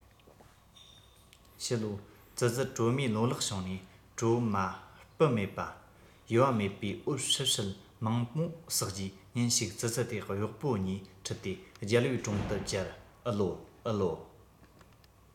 ཕྱི ལོ ཙི ཙིར གྲོ མའི ལོ ལེགས བྱུང ནས གྲོ མ སྤུ མེད པ ཡུ བ མེད པ འོད ཧྲིལ ཧྲིལ མང མོ བསགས རྗེས ཉིན ཞིག ཙི ཙི དེས གཡོག པོ གཉིས ཁྲིད དེ རྒྱལ པོའི དྲུང དུ བཅར ཨུ ལའོ ཨུ ལའོ